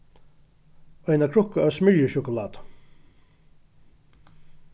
eina krukku av smyrjisjokulátu